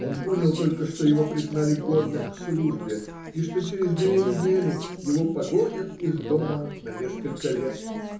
он понял только, что его признали годным к службе и что через две недели его погонят из дому на несколько лет.